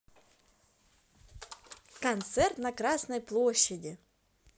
концерт на красной площади